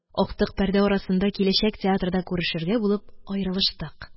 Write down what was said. Актык пәрдә арасында киләчәк театрда күрешергә булып аерылыштык.